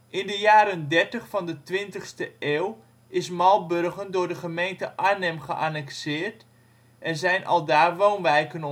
In de jaren dertig van de twintigste eeuw is Malburgen door de gemeente Arnhem geannexeerd en zijn aldaar woonwijken